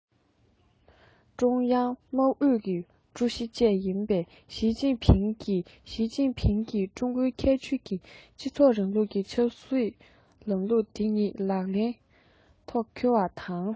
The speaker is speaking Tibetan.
ཀྲུང དབྱང དམག ཨུད ཀྱི ཀྲུའུ ཞི བཅས ཡིན པའི ཞིས ཅིན ཕིང གིས ཞིས ཅིན ཕིང གིས ཀྲུང གོའི ཁྱད ཆོས ཀྱི སྤྱི ཚོགས རིང ལུགས ཀྱི ཆབ སྲིད ལམ ལུགས དེ ཉིད ལག ལེན ཐོག འཁྱོལ བ དང